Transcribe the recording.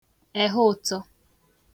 ehụụ̀tọ